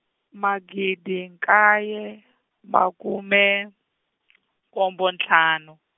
magidi nkaye makume nkombo ntlhanu.